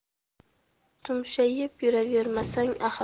tumshayib yuravermassan axir